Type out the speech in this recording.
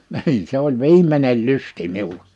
niin se oli viimeinen lysti minulla